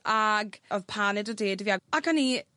ag odd paned o de 'da fi ag ac o'n i